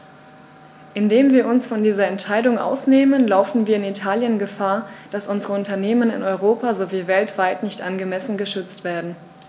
Indem wir uns von dieser Entscheidung ausnehmen, laufen wir in Italien Gefahr, dass unsere Unternehmen in Europa sowie weltweit nicht angemessen geschützt werden.